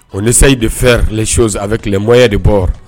On essaie de faire les choses avec les moyens de bords